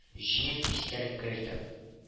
Җөен истәлеккә йөртәм